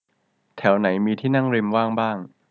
แถวไหนมีที่นั่งริมว่างบ้าง